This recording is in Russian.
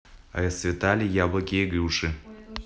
расцветали яблоки и груши